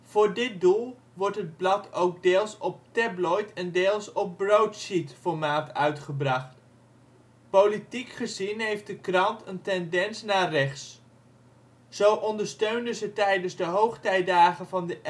Voor dit doel wordt het blad ook deels op tabloid - en deels op broadsheet-formaat uitgebracht. Politiek gezien heeft de krant een tendens naar rechts. Zo ondersteunde ze tijdens de hoogtijdagen van de